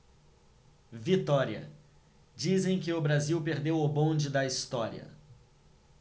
vitória dizem que o brasil perdeu o bonde da história